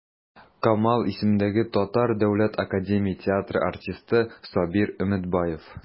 Камал исемендәге Татар дәүләт академия театры артисты Сабир Өметбаев.